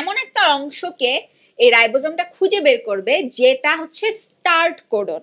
এমন একটা অংশকে এই রাইবোজোম টা খুঁজে বের করবে যেটা হচ্ছে স্টার্ট কোডন